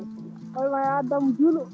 o wiima ya addanmo juulo